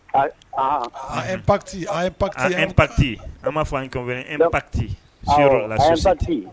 An pati paki pati an' fɔ an patiti